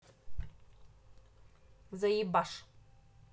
заебашь